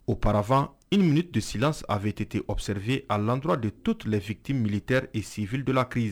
O parafan inum tosis a2ete osrie a laturara de tu tilelɛfitti malilite sifidula k kieze